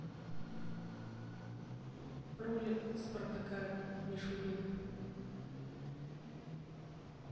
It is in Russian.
роли спартака мишулина